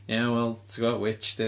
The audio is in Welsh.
Ie wel ti'n gwbod witch 'di.